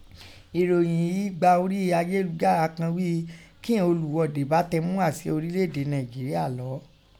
Èròhìn ìin gba orí ayélujára kan ghí kíghọn ọlùwọọ̀de bá tẹ mu asia ọrilẹede Nàìnjíeríà lọ́ọ́.